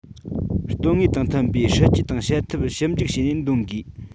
དོན དངོས དང མཐུན པའི སྲིད ཇུས དང བྱེད ཐབས ཞིབ འཇུག བྱས ནས འདོན དགོས